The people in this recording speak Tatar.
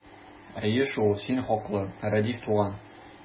Әйе шул, син хаклы, Рәдиф туган!